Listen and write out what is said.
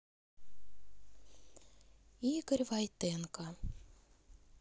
игорь войтенко